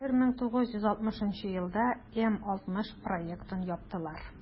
1960 елда м-60 проектын яптылар.